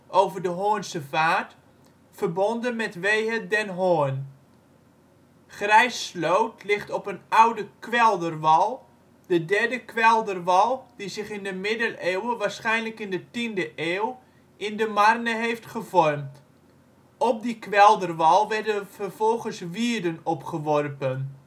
over de Hoornsevaart verbonden met Wehe-den Hoorn. Grijssloot ligt op een oude kwelderwal, de derde kwelderwal die zich in de middeleeuwen, waarschijnlijk in de tiende eeuw, in De Marne heeft gevormd. Op die kwelderwal werden vervolgens wierden opgeworpen